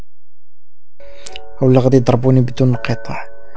ولقد يضربوني بدون القطه